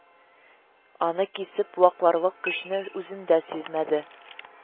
Аны кисеп вакларлык көчне үзендә сизмәде